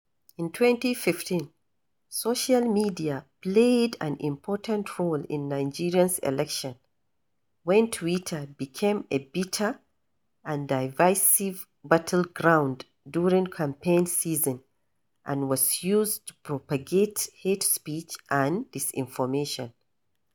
In 2015, social media played an important role in Nigeria's elections when Twitter became a bitter and divisive battleground during campaign season and was used to propagate hate speech and disinformation.